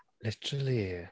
Literally.